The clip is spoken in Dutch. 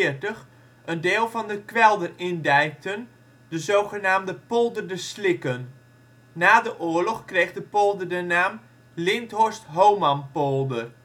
een deel van de kwelder indijkten, de zogenaamde Polder de Slikken. Na de oorlog kreeg de polder de naam Linthorst Homanpolder